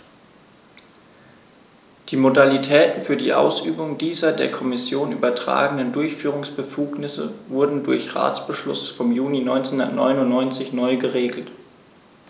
Die Modalitäten für die Ausübung dieser der Kommission übertragenen Durchführungsbefugnisse wurden durch Ratsbeschluss vom Juni 1999 neu geregelt.